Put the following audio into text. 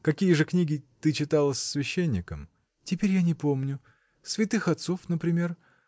— Какие же книги ты читала с священником? — Теперь я не помню. Святых отцов, например.